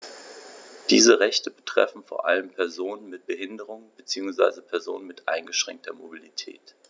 Diese Rechte betreffen vor allem Personen mit Behinderung beziehungsweise Personen mit eingeschränkter Mobilität.